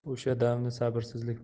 o'sha damni sabrsizlik